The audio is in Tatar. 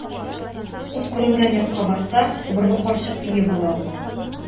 Ут күренгән якка барса, убырлы карчык өе була бу.